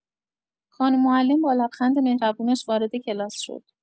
خانم معلم با لبخند مهربونش وارد کلاس شد.